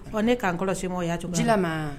Ɔ ne k'an kɔlɔsi se ma o y'cogo